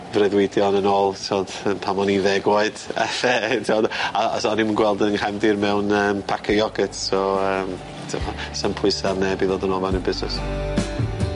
freuddwydion yn ôl t'wod yym pan o'n i ddeg oed elle yym t'wod a- a- so o'n 'im yn gweld yn nghefndir mewn yym pace iogyrts so yym t'wod sa'm pwyse ar neb i ddod yn ôl fewn y busnes.